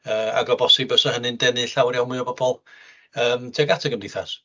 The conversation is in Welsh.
Yy ac o bosib bysa hynny'n denu llawer iawn mwy o bobl yym tuag at y Gymdeithas.